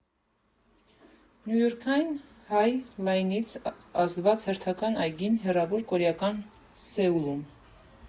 Նյույորքյան Հայ Լայնից ազդված հերթական այգին՝ հեռավոր կորեական Սեուլում։